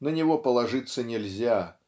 На него положиться нельзя